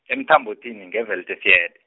eMthambothini, nge- Weltevrede.